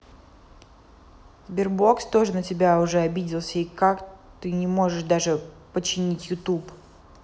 sberbox тоже на тебя уже обиделся и так ты не можешь даже починить youtube